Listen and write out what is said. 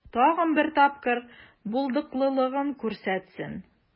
Тагын бер тапкыр булдыклылыгын күрсәтсен.